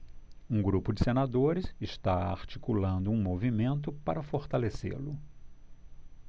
um grupo de senadores está articulando um movimento para fortalecê-lo